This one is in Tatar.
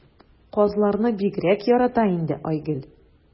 Казларны бигрәк ярата инде Айгөл.